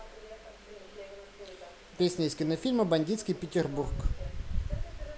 песня из кинофильма бандитский петербург